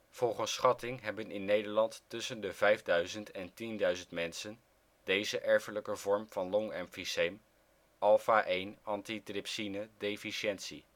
Volgens schatting hebben in Nederland tussen de 5.000 en 10.000 mensen deze erfelijke vorm van longemfyseem alpha-1-antitrypsine-deficiëntie